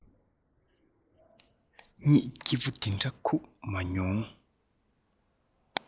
གཉིད སྐྱིད པོ འདི འདྲ ཁུག མ མྱོང